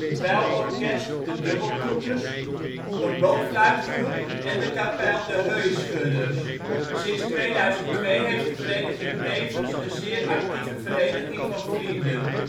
Dweilorkest de Dubbeltoeters, blokfluitgroep en de kapel " De Heuischudders ". Sinds 2002 heeft de vereniging tevens een zeer actieve vereniging van vrienden